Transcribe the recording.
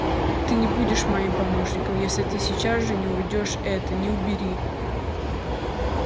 ты не будешь моим помощником если ты сейчас же не уведешь это не убери